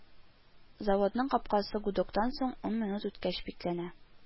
Заводның капкасы гудоктан соң ун минут үткәч бикләнә